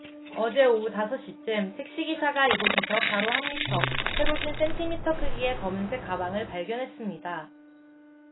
어제 오후 다섯 시쯤 택시기사가 이곳에서 가로 한 미터 세로 쉰 센티미터 크기의 검은색 가방을 발견했습니다